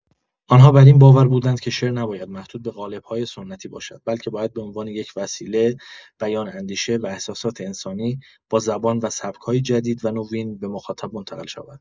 آنها بر این باور بودند که شعر نباید محدود به قالب‌های سنتی باشد، بلکه باید به‌عنوان یک وسیلۀ بیان اندیشه و احساسات انسانی، با زبان و سبک‌های جدید و نوین، به مخاطب منتقل شود.